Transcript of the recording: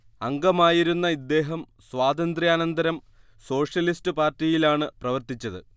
അംഗമായിരുന്ന ഇദ്ദേഹം സ്വാതന്ത്ര്യാനന്തരം സോഷ്യലിസ്റ്റ് പാർട്ടിയിലാണ് പ്രവർത്തിച്ചത്